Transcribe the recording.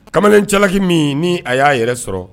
Kamalen cɛlaki min ni a y'a yɛrɛ sɔrɔ